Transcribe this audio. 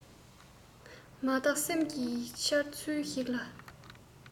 མ བརྟགས སེམས ཀྱི འཆར ཚུལ ཞིག ལ